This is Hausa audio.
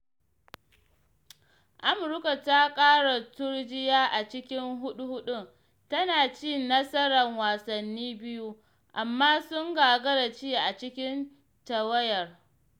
Amurka ta ƙara turjiya a cikin huɗu-huɗun, tana ci nasarar wasanni biyu, amma sun gagara ci a cikin tawayar.